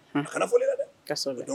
A ka na fɔlɔ i la dɛ! kɔsɛbɛ donc